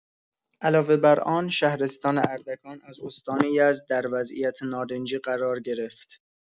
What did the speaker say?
علاوه‌بر آن، شهرستان اردکان از استان یزد در وضعیت نارنجی قرار گرفت.